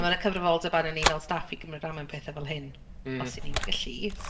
Ma' 'na cyfrifoldeb arnon ni fel staff i gymryd rhan mewn pethau fel hyn... M-hm. ...Os 'y ni'n gallu.